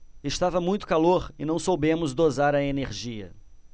estava muito calor e não soubemos dosar a energia